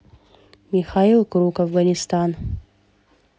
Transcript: михаил круг афганистан